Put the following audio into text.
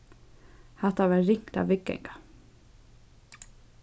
hatta var ringt at viðganga